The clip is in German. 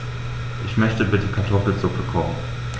Ich möchte bitte Kartoffelsuppe kochen.